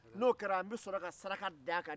n'o kɛra an bɛ sɔrɔ ka saraka da a kan